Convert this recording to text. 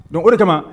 Don o kama